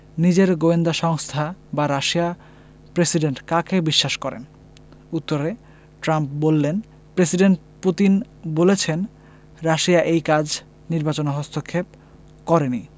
নিজের গোয়েন্দা সংস্থা বা রাশিয়ার প্রেসিডেন্ট কাকে বিশ্বাস করেন উত্তরে ট্রাম্প বললেন প্রেসিডেন্ট পুতিন বলেছেন রাশিয়া এই কাজ নির্বাচনে হস্তক্ষেপ করেনি